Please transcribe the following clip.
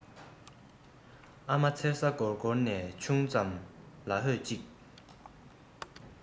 ཨ མ མཚེར ས སྒོར སྒོར ནས ཅུང ཙམ ལ ཧོད ཅིག